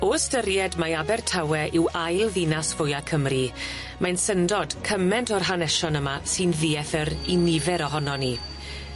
O ystyried mai Abertawe yw ail ddinas fwya Cymru mae'n syndod cyment o'r hanesion yma sy'n ddiethyr i nifer ohonon ni.